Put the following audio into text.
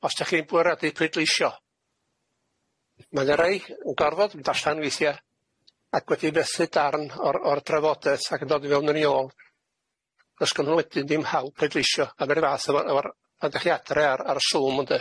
os 'dach chi'n bwriadu pleidleisio, ma' na rai yn gorfod mynd allan weithie, ac wedi methu darn o'r o'r drafodeth ac yn dod i fewn yn i ôl, 'chos gynno nw wedyn dim hawl pleidleisio, a ma run fath efo efo pan 'dach chi adre ar ar y Zoom ynde?